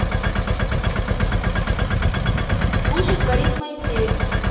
слушать борис моисеев